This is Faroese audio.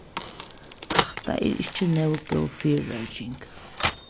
hatta er ikki nóg góð fyrireiking